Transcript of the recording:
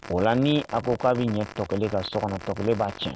O la ni a ko k'a bɛ ɲɛ, tɔ kelen ka so kɔnɔ, tɔ b'a tiɲɛ.